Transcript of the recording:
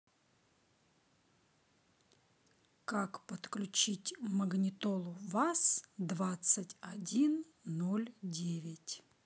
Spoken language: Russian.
как подключить магнитолу ваз двадцать один ноль девять